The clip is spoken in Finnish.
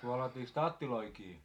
suolattiinkos tattejakin